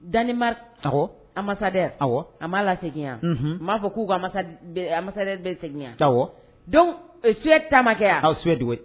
Danemark awɔ ambassadeur a m'a lasegin wa unhun m'a fɔ k'u ka ambassadeur bɛ segin wa donc Suède ta ma kɛ wa ɔ Suède oui